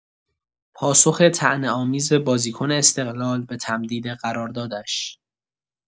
پاسخ طعنه‌آمیز بازیکن استقلال به تمدید قراردادش